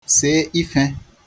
sè ife